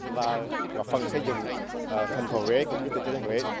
và góp phần xây dựng ờ thành phố huế cũng như tỉnh thừa thiên huế